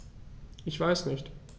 Ich weiß nicht.